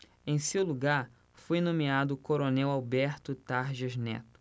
em seu lugar foi nomeado o coronel alberto tarjas neto